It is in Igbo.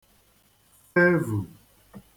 fevù